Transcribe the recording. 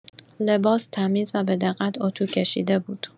لباس، تمیز و به‌دقت اتوکشیده بود.